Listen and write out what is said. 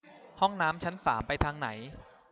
ห้องน้ำชั้นสามไปทางไหน